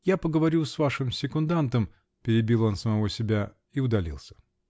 Я поговорю с вашим секундантом, -- перебил он самого себя -- и удалился.